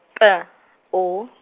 P O.